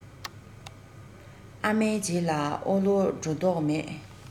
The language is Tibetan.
ཨ མའི རྗེས ལ ཨོ ལོ འགྲོ མདོག མེད